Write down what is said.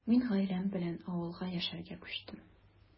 Мин гаиләм белән авылга яшәргә күчтем.